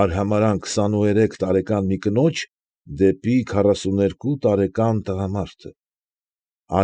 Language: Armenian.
Արհամարհանք քսանուերեք տարեկան մի կնոջ դեպի քառասունութ երկու տարեկան տղամարդը։